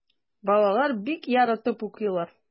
Балалар бик яратып укыйлар.